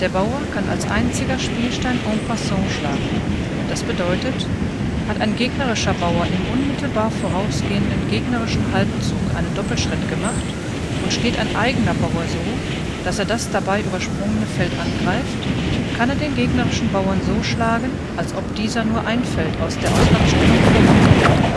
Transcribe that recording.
Bauer kann als einziger Spielstein en passant schlagen, vgl. Darstellung rechts. Hat ein gegnerischer Bauer im unmittelbar vorausgehenden gegnerischen Halbzug einen Doppelschritt gemacht und steht ein eigener Bauer so, dass er das dabei übersprungene Feld angreift, kann er den gegnerischen Bauern so schlagen, als ob dieser nur ein Feld aus der Ausgangsstellung vorgerückt wäre